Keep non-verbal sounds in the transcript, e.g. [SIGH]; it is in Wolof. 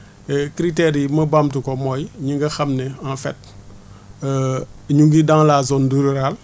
[HESITATION] critère yi ma bamtu ko mooy ñi nga xam ne en fait [HESITATION] ñu ngi dans la zone rurale